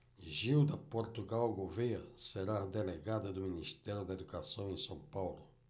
gilda portugal gouvêa será delegada do ministério da educação em são paulo